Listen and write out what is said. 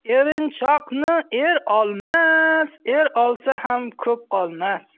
erinchoqni er olmas er olsa ham ko'p qolmas